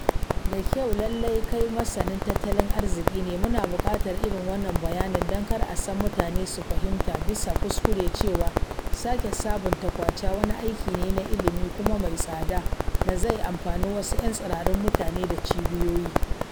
"Da kyau, lallai kai masanin tattalin arziƙi ne, muna buƙatar irin wannan bayanin, don kar a sa mutane su fahimta bisa kuskure cewa sake sabunta Kwacha wani aiki ne na ilimi kuma mai tsada, da zai amfani wasu ƴan tsirarun mutane da cibiyoyi."